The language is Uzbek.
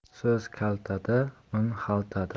so'z kaltada un xaltada